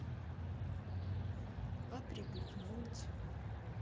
а прибухнуть